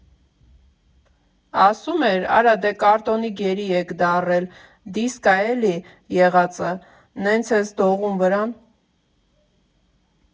Ասում էր՝ արա դե կարտոնի գերի՜ն եք դառել, դիսկ ա էլի՜ եղածը, նենց ես դողում վրան։